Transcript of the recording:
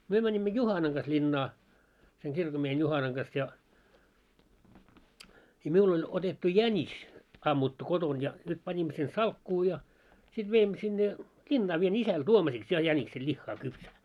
me menimme Juhanan kanssa linnaan sen kirkonmiehen Juhanan kanssa ja - minulla oli otettu jänis ammuttu kotona ja nyt panimme sen salkkuun ja sitten veimme sinne linnaan vien isälle tuomisiksi ja jäniksen lihaa kypsää